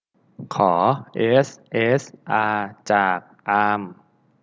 ขอเอสเอสอาจากอาม